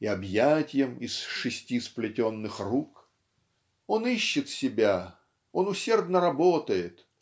и об'ятьям "из шести сплетенных рук". Он ищет себя он усердно работает